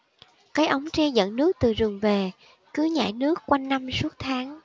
cái ống tre dẫn nước từ rừng về cứ nhả nước quanh năm suốt tháng